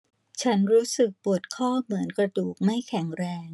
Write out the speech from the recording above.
ฉันรู้สึกปวดข้อเหมือนกระดูกไม่แข็งแรง